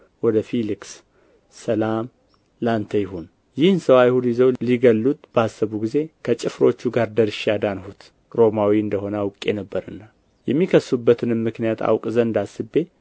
ወደ ፊልክስ ሰላም ለአንተ ይሁን ይህን ሰው አይሁድ ይዘው ሊገድሉት ባሰቡ ጊዜ ከጭፍሮቹ ጋር ደርሼ አዳንሁት ሮማዊ እንደ ሆነ አውቄ ነበርና የሚከሰስበትንም ምክንያት አውቅ ዘንድ አስቤ